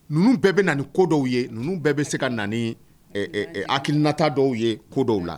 Ninnu bɛɛ bɛ na ko dɔw ye ninnu bɛɛ bɛ se ka na hakilinata dɔw ye ko dɔw la